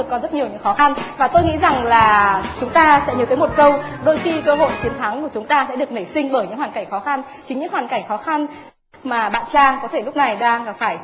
vượt qua rất nhiều những khó khăn và tôi nghĩ rằng là chúng ta sẽ nhớ tới một câu đôi khi cơ hội chiến thắng của chúng ta sẽ được nảy sinh bởi những hoàn cảnh khó khăn chính những hoàn cảnh khó khăn mà bạn trang có thể lúc này đang gặp phải